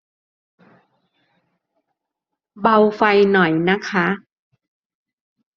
เบาไฟหน่อยนะคะ